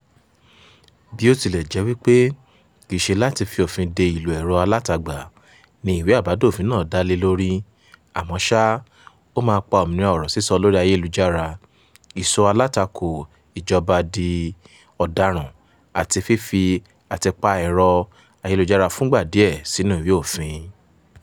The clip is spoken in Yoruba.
Bí-ó-ti-lẹ̀-jẹ́-wípé, kì í ṣe láti fi òfin de ìlò ẹ̀rọ alátagbà ni ìwé àbádòfin náà dá lé lórí, àmọ́ ṣá, ó máa pa òmìnira ọ̀rọ̀ sísọ lórí ayélujára, ìsọ alátakò ìjọba di ọ̀daràn àti fífi àtìpà ẹ̀rọ ayélujára fúngbà díẹ̀ sínú ìwé òfin.